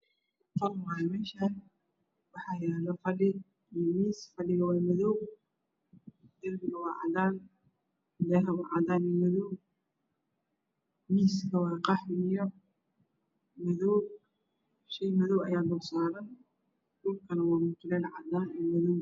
Qol waaye meshan waxa yaalo fadhi iyo miis fadhiga waa madow darbiga waa cadaan daaha waa cadan iyo madow miiska waa qaxwe iyo madow shey madow aya dul saaran dhulkuna waa mutulel cadaan iyo madow